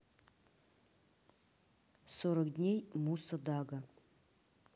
сорок дней муса дага